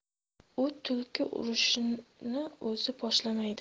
u tulki urushni o'zi boshlamaydi